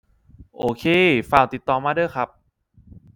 OK ฟ้าวติดต่อมาเด้อครับ